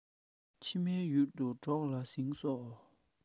ཕྱི མའི ཡུལ དུ གྲོགས ལ བསྲིངས སོ